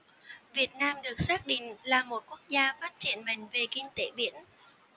việt nam được xác định là một quốc gia phát triển mạnh về kinh tế biển